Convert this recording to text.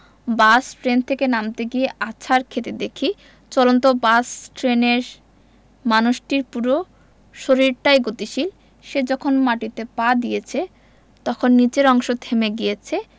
বাস train থেকে নামতে গিয়ে আছাড় খেতে দেখি চলন্ত বাস ট্রেনের মানুষটির পুরো শরীরটাই গতিশীল সে যখন মাটিতে পা দিয়েছে তখন নিচের অংশ থেমে গিয়েছে